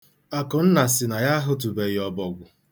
Akụnna sị na ọ hụtụbeghị ọbọgwụ.